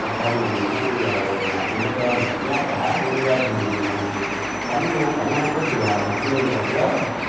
bà con mình á giờ làm ăn bấp bên giá cả lên thì mình còn sống thoải mái chút giờ thì cứ như hều vốn à